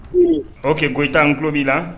O kɛ kotanan tulolo b'i la